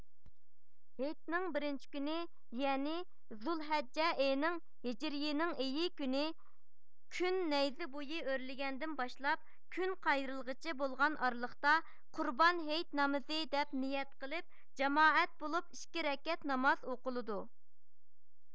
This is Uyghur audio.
ھېيتنىڭ بىرىنچى كۈنى يەنى زۇلھەججە ئېنىڭ ھىجرىيىنىڭ ئېيى كۈنى كۈن نەيزە بۇيى ئۆرلىگەندىن باشلاپ كۈن قايرىلغىچە بولغان ئارىلىقتا قۇربان ھېيت نامىزى دەپ نىيەت قىلىپ جامائەت بولۇپ ئىككى رەكەت ناماز ئوقۇلىدۇ